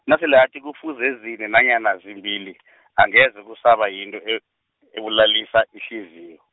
nasele athi kufuze zine nanyana zimbili , angeze kusaba yinto e- ebulalisa ihliziyo.